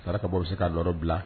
Taara ka bɔ se k kaa yɔrɔ bila